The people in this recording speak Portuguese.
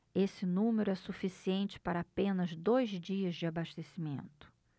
esse número é suficiente para apenas dois dias de abastecimento